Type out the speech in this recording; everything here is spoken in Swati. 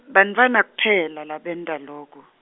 badovana pela labentaloko.